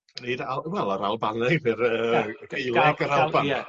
reid a- wel yr Albaneg yr yy Gaeleg yr Alban.